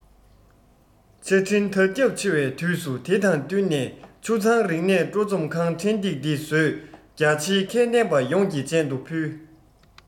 ཆ འཕྲིན དར ཁྱབ ཆེ བའི དུས དུས དེ དང བསྟུན ནས ཆུ ཚང རིག གནས སྤྲོ འཛོམས ཁང འཕྲིན སྟེགས འདི བཟོས རྒྱ ཆེའི མཁས ལྡན པ ཡོངས ཀྱི སྤྱན དུ ཕུལ